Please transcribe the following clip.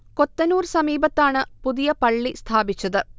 കൊത്തനൂർ സമീപത്താണ് പുതിയ പള്ളി സ്ഥാപിച്ചത്